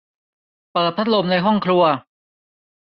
เปิดพัดลมในห้องครัว